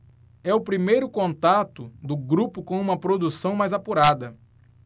é o primeiro contato do grupo com uma produção mais apurada